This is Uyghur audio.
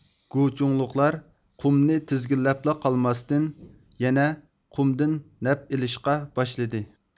گۇچۇڭلۇقلار قۇمنى تىزگىنلەپلا قالماستىن يەنە قۇمدىن نەپ ئېلىشقا باشلىدى